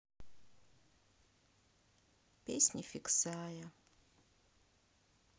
песни фиксая